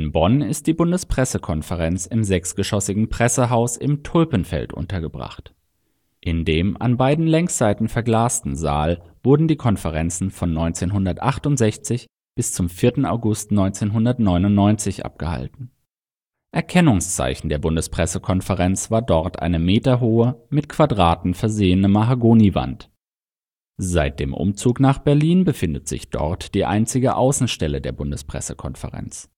Bonn ist die Bundespressekonferenz im sechsgeschossigen „ Pressehaus “im Tulpenfeld untergebracht. In dem sich angliedernden, an beiden Längsseiten verglasten Saal wurden die Konferenzen von 1968 bis zum 4. August 1999 abgehalten. Erkennungszeichen der Bundespressekonferenz war dort eine meterhohe, mit Quadraten versehene Mahagoniwand. Seit dem Umzug nach Berlin befindet sich im Tulpenfeld die einzige Außenstelle der Bundespressekonferenz